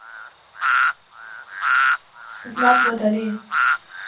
знак водолея